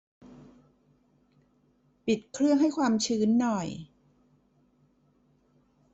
ปิดเครื่องให้ความชื้นหน่อย